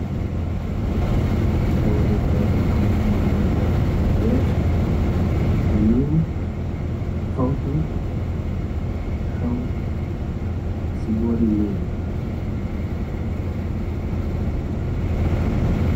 Dawalekaay bu am manarga bu weex, ñuul, xonk taxaw ci boori miir bi.